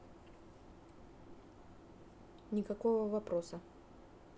никакого вопроса